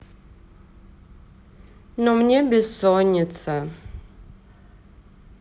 но мне бессонница